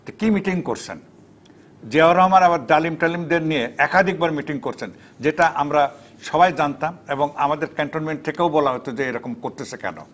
তো কি মিটিং করছেন জিয়াউর রহমান আবার ডালিম টালিম দের নিয়ে একাধিকবার মিটিং করছেন যেটা আমরা সবাই জানতাম এবং আমাদের ক্যান্টনমেন্ট থেকেও বলা হতো যে এরকম করতেছে কেন